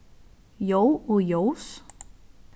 ljóð og ljós